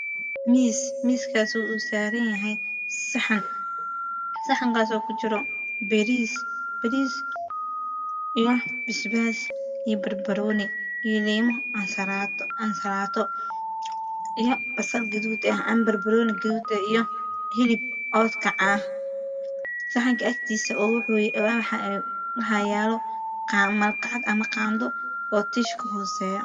Meshaan waxaa yaalo boorsoyin iyo kabo saaran meel sare